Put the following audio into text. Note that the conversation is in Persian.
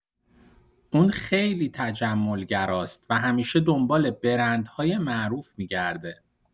اون خیلی تجمل‌گراست و همیشه دنبال برندهای معروف می‌گرده.